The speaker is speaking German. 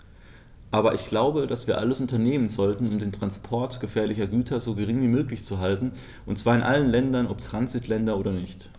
Aber ich glaube, dass wir alles unternehmen sollten, um den Transport gefährlicher Güter so gering wie möglich zu halten, und zwar in allen Ländern, ob Transitländer oder nicht.